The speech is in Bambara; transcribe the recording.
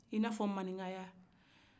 i n' a fɔ maninkaya